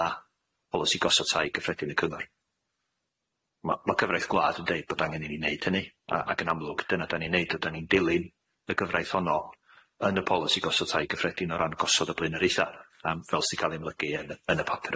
a polisi gosod tai gyffredin y cyngor ma' ma' gyfreith gwlad yn deud bod angen i ni neud hynny a ag yn amlwg dyna dan ni'n neud a dan ni'n dilyn y gyfreith honno yn y polisi gosodd tai gyffredin o ran gosodd y blaenoritha am fel sy'n ca'l ymlygu yn y yn y papur